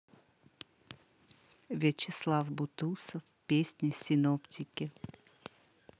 вячеслав бутусов песня синоптики